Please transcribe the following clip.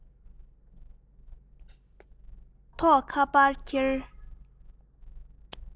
ལག ཐོགས ཁ པར འཁྱེར